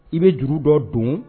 I bɛ juru dɔ don